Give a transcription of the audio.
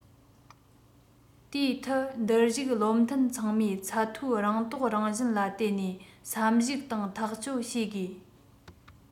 དེའི ཐད འདིར བཞུགས བློ མཐུན ཚང མས ཚད མཐོའི རང རྟོགས རང བཞིན ལ བརྟེན ནས བསམ གཞིགས དང ཐག གཅོད བྱེད དགོས